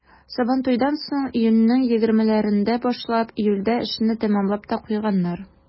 Сабантуйдан соң, июньнең егермеләрендә башлап, июльдә эшне тәмамлап та куйганнар.